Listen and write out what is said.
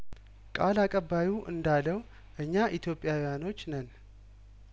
ቃል አቀባዩ እንዳለው እኛ ኢትዮጵያውያኖች ነን